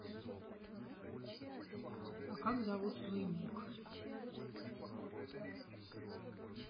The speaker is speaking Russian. а как зовут твой ник